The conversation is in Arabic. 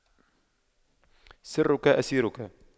سرك أسيرك